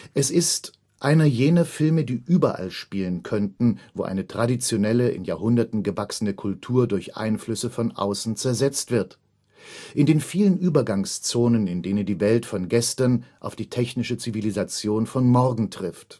Es ist „ einer jener Filme, die überall spielen könnten, wo eine traditionelle, in Jahrhunderten gewachsene Kultur durch Einflüsse von außen zersetzt wird, in den vielen Übergangszonen, in denen die Welt von gestern auf die technische Zivilisation von morgen trifft